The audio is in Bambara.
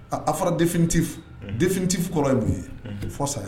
A a fɔra définitif unhun définitif kɔrɔ ye mun ye fɔ saya